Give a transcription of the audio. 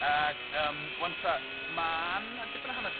Ac yym 'wan ta ma' 'na dipyn o hanes